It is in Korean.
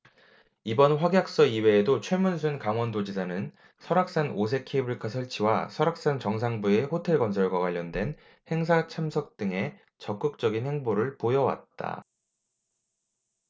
이번 확약서 이외에도 최문순 강원도지사는 설악산 오색케이블카 설치와 설악산 정상부의 호텔 건설과 관련된 행사 참석 등에 적극적인 행보를 보여왔다